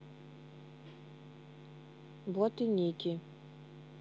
вот и ники